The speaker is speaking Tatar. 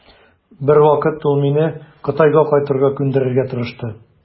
Бер вакыт ул мине Кытайга кайтырга күндерергә тырышты.